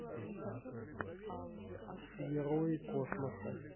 герои космоса